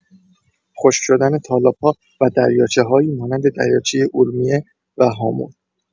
خشک‌شدن تالاب‌ها و دریاچه‌هایی مانند دریاچه ارومیه و هامون